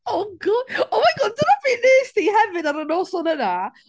Oh Go- Oh my God dyna be wnest ti hefyd ar y noson yna!